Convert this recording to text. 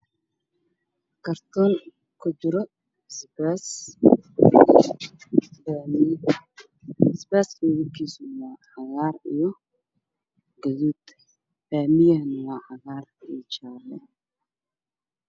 Waa kartoon kujiro basbaas iyo baamiye. Basbaaska kalarkiisu waa gaduud iyo cagaar, baamiyahana waa cagaar iyo jaale.